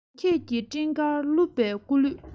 ཁྱེད ཀྱི སྤྲིན དཀར བཀླུབས པའི སྐུ ལུས